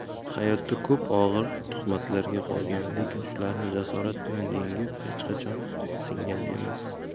hayotda ko'p og'ir tuhmatlarga qolgan lekin shularni jasorat bilan yengib hech qachon singan emas